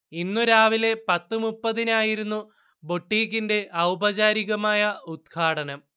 ഇന്ന് രാവിലെ പത്ത് മുപ്പതിനായിരുന്നു ബൊട്ടീക്കിന്റെെ ഔപചാരികമായ ഉദ്ഘാടനം